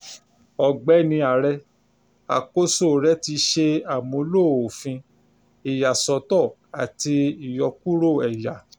Ọ̀gbẹ́ni ààrẹ, àkósoò rẹ ti ṣe àmúlò òfin ìyàsọ́tọ̀ àti ìyọkúrò ẹ̀yà.